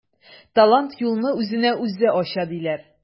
Талант юлны үзенә үзе ача диләр.